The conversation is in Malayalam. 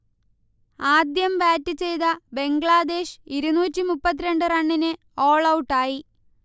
ആദ്യം ബാറ്റ് ചെയ്ത ബംഗ്ലാദേശ് ഇരുന്നൂറ്റിമുപ്പത്തിരണ്ട് റണ്ണിന് ഓൾഔട്ടായി